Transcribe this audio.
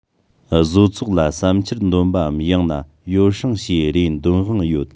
བཟོ ཚོགས ལ བསམ འཆར འདོན པའམ ཡང ན ཡོ བསྲང བྱེད རེ འདོན དབང ཡོད